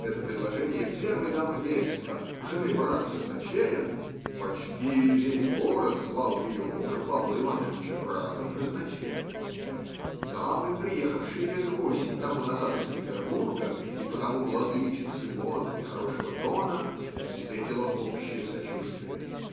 Это предложение первой дамы Бельска, жены брата казначея (почти весь город звал ее мужа, Павла Ивановича, братом казначея), дамы, приехавшей лет восемь тому назад из Петербурга и потому владычицы мод и хорошего тона, встретило общее сочувствие.